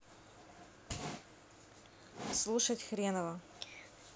слушать хренова